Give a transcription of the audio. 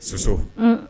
Soso